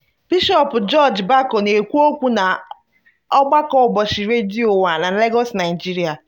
Bishọp George Bako na-ekwu okwu na ogbako ụbọchị redio ụwa na Lagos, Naịjirịa.